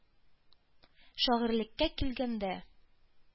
Шагыйрьлеккә килгәндә,